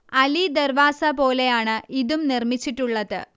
അലിദർവാസ പോലെയാണ് ഇതും നിർമിച്ചിട്ടുള്ളത്